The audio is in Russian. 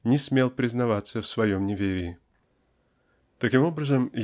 не смел признаваться в своем неверии. Таким образом